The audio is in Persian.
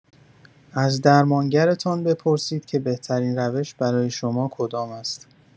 از درمانگرتان بپرسید که بهترین روش برای شما کدام است.